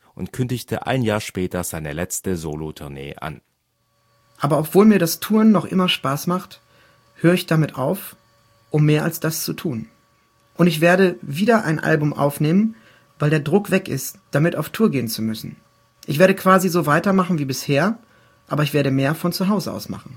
und kündigte ein Jahr später seine letzte Solo-Tournee an: „ Aber obwohl mir das Touren noch immer Spaß macht, höre ich damit auf, um mehr als das zu tun. […] Und ich werde wieder ein Album aufnehmen, weil der Druck weg ist, damit auf Tour gehen zu müssen. Ich werde quasi so weiter machen wie bisher, aber ich werde mehr von zu Hause aus machen